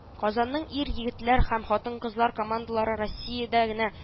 Казанның ир-егетләр һәм хатын-кызлар командалары Россиядә генә